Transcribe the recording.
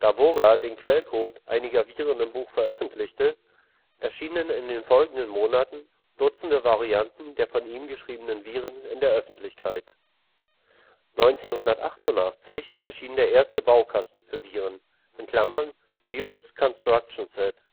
Burger den Quellcode einiger Viren im Buch veröffentlichte, erschienen in den folgenden Monaten Dutzende Varianten der von ihm geschriebenen Viren in der Öffentlichkeit. 1988 erschien der erste Baukasten für Viren (Virus Construction Set